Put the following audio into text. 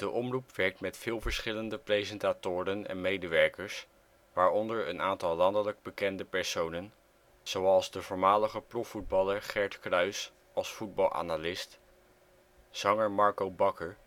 omroep werkt met veel verschillende presentatoren en medewerkers waaronder een aantal landelijk bekende personen als de voormalige profvoetballer Gert Kruysals voetbalanalyst, zanger Marco Bakker